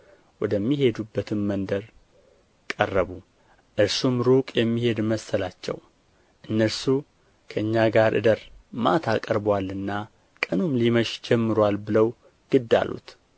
ወደሚሄዱበትም መንደር ቀረቡ እርሱም ሩቅ የሚሄድ መሰላቸው እነርሱ ከእኛ ጋር እደር ማታ ቀርቦአልና ቀኑም ሊመሽ ጀምሮአል ብለው ግድ አሉት ከእነርሱም ጋር ሊያድር ገባ